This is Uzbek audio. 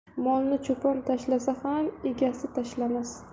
molni cho'pon tashlasa ham egasi tashlamas